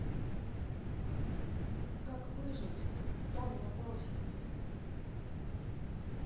как выжить тони матросиков